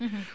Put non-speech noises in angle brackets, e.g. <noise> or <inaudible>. <hesitation> <hesitation> <breath>